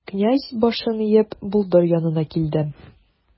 Князь, башын иеп, болдыр янына килде.